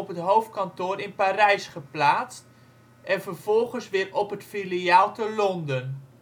hoofdkantoor in Parijs geplaatst, en vervolgens weer op het filiaal te Londen